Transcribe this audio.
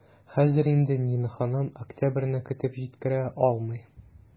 Хәзер инде Нина ханым октябрьне көтеп җиткерә алмый.